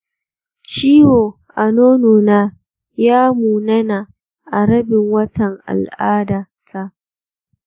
ciwo a nonona ya munana a rabin watan al'ada ta.